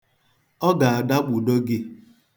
Ọ ga-adakpudo gị.